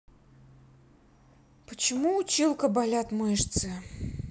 почему училка болят мышцы